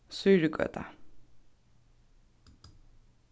sýrugøta